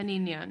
Yn union.